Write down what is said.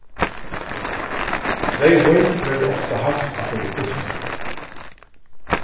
reyðvín verður ofta havt aftur við búffi